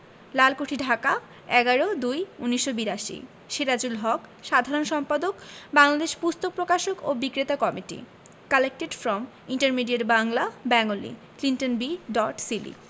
লালকুঠি ঢাকা ১১/০২/১৯৮২ সিরাজুল হক সাধারণ সম্পাদক বাংলাদেশ পুস্তক প্রকাশক ও বিক্রেতা committee collected from intermediate Bangla Bengali Clinton B dot Seely